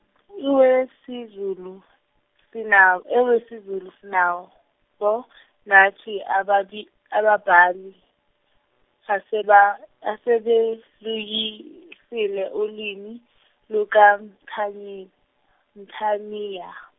wesiZulu sina- abesiZulu sinabo nathi abaki- ababhali aseba- asebelimisile ulimi luka mthani- Mthaniya.